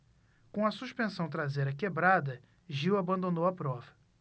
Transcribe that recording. com a suspensão traseira quebrada gil abandonou a prova